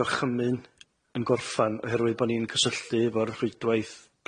gorchymyn yn gorffen oherwydd bo' ni'n cysylltu efo'r rhwydwaith